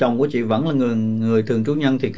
chồng của chị vẫn là người người thường trú nhân thì